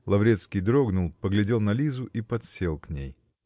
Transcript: Лаврецкий дрогнул, поглядел на Лизу и подсел к ней.